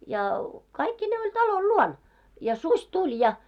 ja kaikkineen oli talon luona ja susi tuli ja